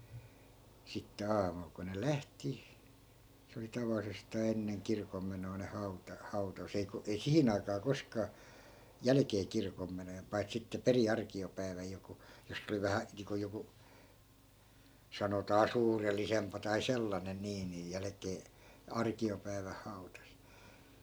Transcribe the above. sitten aamulla kun ne lähti se oli tavallisestaan ennen kirkonmenoja ne - hautasi ei - ei siihen aikaan koskaan jälkeen kirkonmenojen paitsi sitten perin arkiopäivänä joku jossa oli vähän niin kuin joku sanotaan suurellisempaa tai sellainen niin niin jälkeen arkiopäivän hautasi